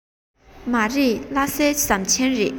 མ རེད ལྷ སའི ཟམ ཆེན རེད